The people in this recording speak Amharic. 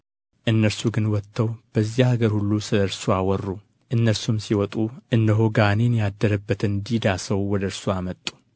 እነርሱ ግን ወጥተው በዚያ አገር ሁሉ ስለ እርሱ አወሩ እነርሱም ሲወጡ እነሆ ጋኔን ያደረበትን ዲዳ ሰው ወደ እርሱ አመጡ